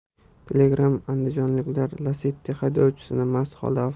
telegram andijonliklar lacetti haydovchisi mast holda